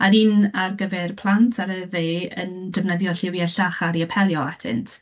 A'r un ar gyfer plant ar y dde yn defnyddio lliwiau llachar i apelio atynt.